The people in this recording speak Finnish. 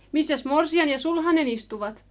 missäs morsian ja sulhanen istuivat